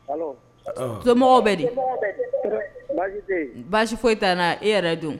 Donmɔgɔw bɛ baasi foyi t e yɛrɛ dun